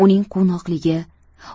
uning quvnoqligi